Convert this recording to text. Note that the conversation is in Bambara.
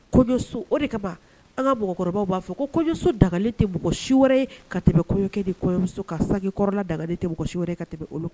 So de ka an kakɔrɔba b'a fɔ kojɔso dagakale tɛ mɔgɔ su wɛrɛ ka tɛmɛ deso ka sagaɔrɔn lagali tɛ wɛrɛ ka tɛmɛ kɛ